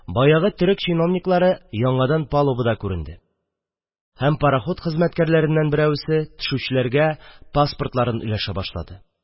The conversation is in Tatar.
Ниһәят, баягы төрек чиновниклары яңадан палубада күренде һәм пароход хезмәткәрләреннән берәүсе төшүчеләргә паспортларын өләшә башлады.